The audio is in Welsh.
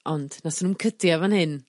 Ond nathon nw'm cydio fan hyn.